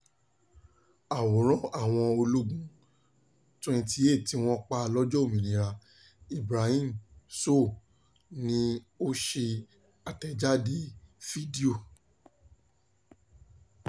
Àwòrán àwọn Ológun 28 tí wọ́n pa lọ́jọ́ òmìnira – Ibrahima Sow ni ó ṣe àtẹ̀jáde fídíò.